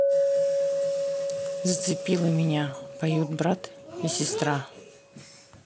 зацепила меня поют брат и сестра